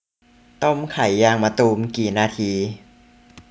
ต้มไข่ยางมะตูมกี่นาที